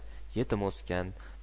yetim o'sgan